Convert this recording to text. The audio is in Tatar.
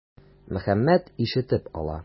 Мөхәммәт ишетеп ала.